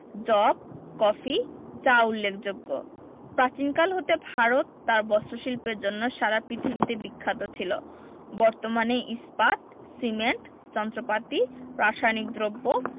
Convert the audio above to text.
যব কফি চা উল্লেখযোগ্য প্রাচীনকাল হতে ভারত তার বস্ত্রশিল্পের জন্য সারা পৃথিবীতে বিখ্যাত ছিল বর্তমানে ইস্পাত সিমেন্ট যন্ত্রপাতি রাসায়নিক দ্রব্য